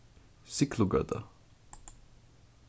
siglugøta